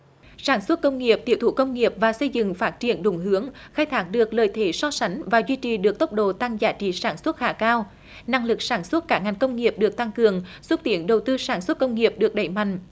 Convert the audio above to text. sản xuất công nghiệp tiểu thủ công nghiệp và xây dựng phát triển đúng hướng khai thác được lợi thế so sánh và duy trì được tốc độ tăng giá trị sản xuất khá cao năng lực sản xuất các ngành công nghiệp được tăng cường xúc tiến đầu tư sản xuất công nghiệp được đẩy mạnh